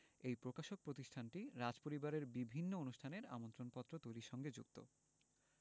এই প্রকাশক প্রতিষ্ঠানটি রাজপরিবারের বিভিন্ন অনুষ্ঠানের আমন্ত্রণপত্র তৈরির সঙ্গে যুক্ত